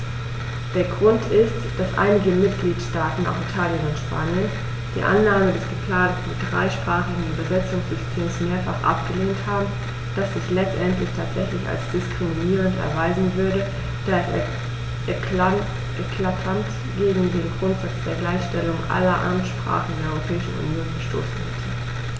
Der Grund ist, dass einige Mitgliedstaaten - auch Italien und Spanien - die Annahme des geplanten dreisprachigen Übersetzungssystems mehrfach abgelehnt haben, das sich letztendlich tatsächlich als diskriminierend erweisen würde, da es eklatant gegen den Grundsatz der Gleichstellung aller Amtssprachen der Europäischen Union verstoßen hätte.